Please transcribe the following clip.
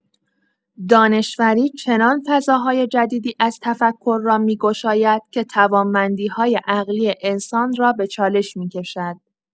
دانشوری چنان فضاهای جدیدی از تفکر را می‌گشاید که توانمندی‌های عقلی انسان را به چالش می‌کشد.